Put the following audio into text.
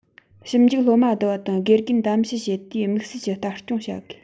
ཞིབ འཇུག སློབ མ བསྡུ བ དང དགེ རྒན བདམས ཞུ བྱེད དུས དམིགས བསལ གྱིས ལྟ སྐྱོང བྱ དགོས